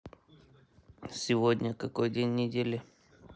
сегодня какой день недели